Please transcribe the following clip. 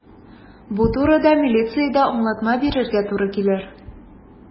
Бу турыда милициядә аңлатма бирергә туры килер.